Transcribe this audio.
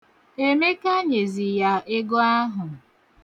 Emeka nyezi ya ego ahụ.